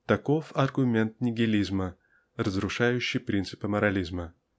Таков аргумент нигилизма, разрушающий принципы морализма